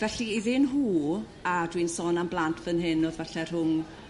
Felly iddyn nhw a dwi'n sôn am blant fan hyn o'dd falle rhwng